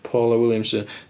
Paula Williamson.